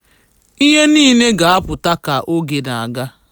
Ihe niile ga-apụta ka oge na-aga.